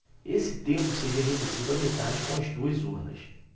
esse tempo seria reduzido à metade com as duas urnas